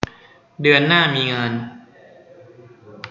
เดือนหน้ามีงาน